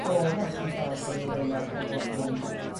Bod 'na 'ch'dig bach o'r elfen 'na o fod yn